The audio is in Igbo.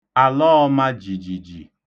àlọọ̄mājìjìjì